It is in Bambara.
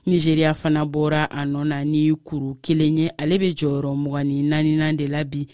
nizeriya fana bɔra a nɔ na ni o kuru kelen ye ale bɛ jɔyɔrɔ 24nan de la bi